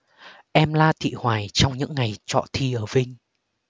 em la thị hoài trong những ngày trọ thi ở vinh